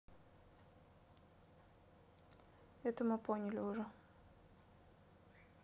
это мы поняли уже